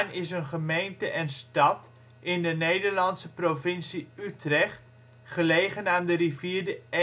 is een gemeente en stad in de Nederlandse provincie Utrecht, gelegen aan de rivier de